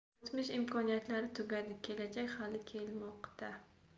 o'tmish imkoniyatlari tugadi kelajak hali kelmadi